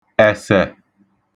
ẹ̀sẹ̀